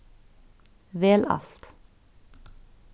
vel alt